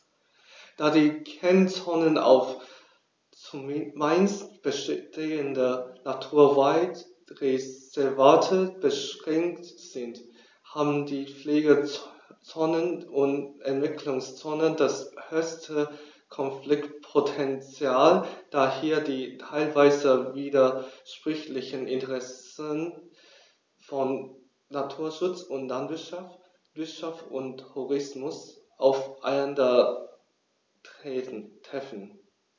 Da die Kernzonen auf – zumeist bestehende – Naturwaldreservate beschränkt sind, haben die Pflegezonen und Entwicklungszonen das höchste Konfliktpotential, da hier die teilweise widersprüchlichen Interessen von Naturschutz und Landwirtschaft, Wirtschaft und Tourismus aufeinandertreffen.